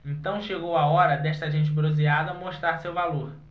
então chegou a hora desta gente bronzeada mostrar seu valor